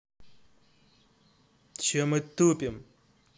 че мы тупим